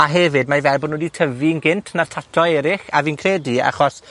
a hefyd mae fel bod nw 'di tyfu'n gynt na'r tato eryll, a fi'n credu, achos